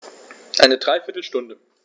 Eine dreiviertel Stunde